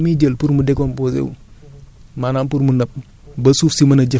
mën naa ko dem sotti foofu mais boo seetloo temps bi muy jël pour mu décomposer wu